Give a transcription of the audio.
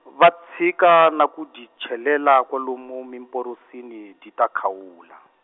va tshika na ku dyi chelela kwalomu mimporosini dyi ta khawula.